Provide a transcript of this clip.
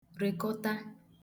rèkọta